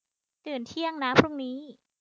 ตื่นเที่ยงนะพรุ่งนี้